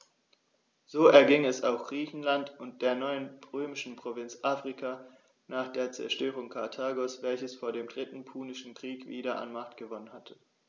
So erging es auch Griechenland und der neuen römischen Provinz Afrika nach der Zerstörung Karthagos, welches vor dem Dritten Punischen Krieg wieder an Macht gewonnen hatte.